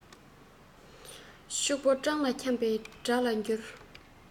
ཕྱུག པོ སྤྲང ལ འཁྱམས པ དགྲ ལ འགྱུར